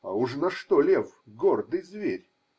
А уж на что лев – гордый зверь.